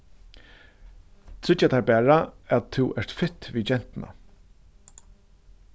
tryggja tær bara at tú ert fitt við gentuna